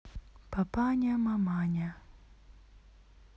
папаня маманя